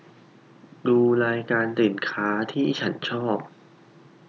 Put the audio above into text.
ดูรายการสินค้าที่ฉันชอบ